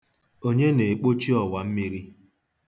Onye na-ekpochi ọwa mmiri?